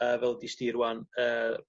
yy fel de's di rŵan yy